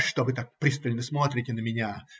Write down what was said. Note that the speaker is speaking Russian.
- Что вы так пристально смотрите на меня?